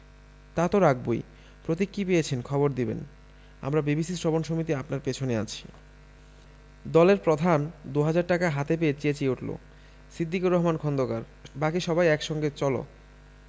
তা তো রাখবোই প্রতীক কি পেয়েছেন খবর দিবেন আমরা বিবিসি শ্রবণ সমিতি আপনার পেছনে আছি দলের প্রধান দু'হাজার টাকা হাতে পেয়ে চেঁচিয়ে ওঠল সিদ্দিকুর রহমান খোন্দকার বাকি সবাই এক সঙ্গে চল